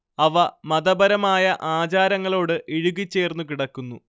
അവ മതപരമായ ആചാരങ്ങളോട് ഇഴുകിച്ചേർന്നു കിടക്കുന്നു